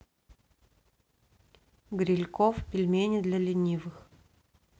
грильков пельмени для ленивых